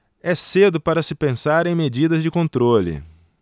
é cedo para se pensar em medidas de controle